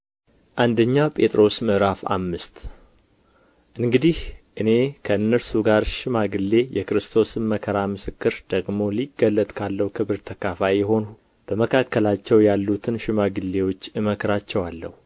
አንደኛ ጴጥሮስ ምዕራፍ አምስት እንግዲህ እኔ ከእነርሱ ጋር ሽማግሌ የክርስቶስም መከራ ምስክር ደግሞም ሊገለጥ ካለው ክብር ተካፋይ የሆንሁ በመካከላቸው ያሉትን ሽማግሌዎች እመክራቸዋለሁ